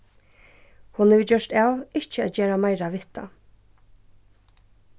hon hevur gjørt av ikki at gera meira við tað